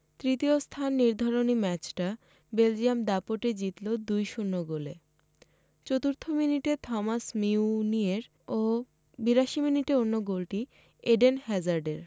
তৃতীয় স্থান নির্ধারণী ম্যাচটা বেলজিয়াম দাপটে জিতল ২ ০ গোলে চতুর্থ মিনিটে থমাস মিউনিয়ের ও ৮২ মিনিটে অন্য গোলটি এডেন হ্যাজার্ডের